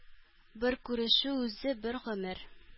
Бер күрешү үзе бер гомер.